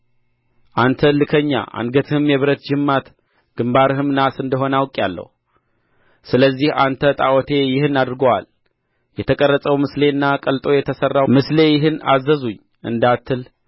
አንተ እልከኛ አንገትህም የብረት ጅማት ግምባርህም ናስ እንደሆነ አውቄአለሁ ስለዚህ አንተ ጣዖቴ ይህን አድርጎአል የተቀረጸው ምስሌና ቀልጦ የተሠራው ምስሌ ይህን አዘዙኝ እንዳትል